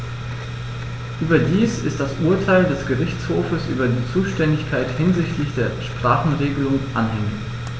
Überdies ist das Urteil des Gerichtshofes über die Zuständigkeit hinsichtlich der Sprachenregelung anhängig.